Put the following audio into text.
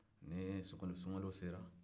ni sunkalo sera